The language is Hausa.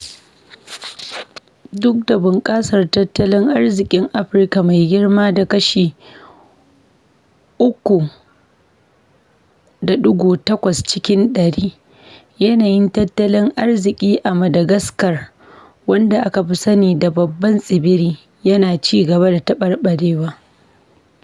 Duk da bunƙasar tattalin arzikin Afirka mai girma da kashi 3.8 cikin ɗari, yanayin tattalin arziki a Madagaskar, wanda aka fi sani da Babban Tsibiri, yana ci gaba da tabarbarewa.